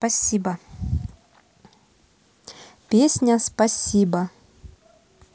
песня спасибо